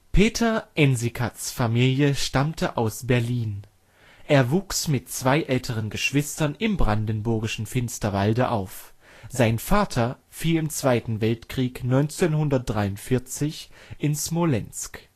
Peter Ensikats Familie stammte aus Berlin. Er wuchs mit zwei älteren Geschwistern im brandenburgischen Finsterwalde auf, sein Vater fiel im Zweiten Weltkrieg 1943 bei Smolensk